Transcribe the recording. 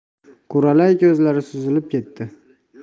quralay ko'zlari suzilib ketdi